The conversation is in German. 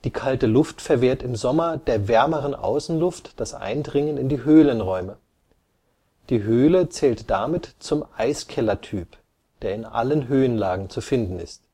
kalte Luft verwehrt im Sommer der wärmeren Außenluft das Eindringen in die Höhlenräume. Die Höhle zählt damit zum Eiskellertyp, der in allen Höhenlagen zu finden ist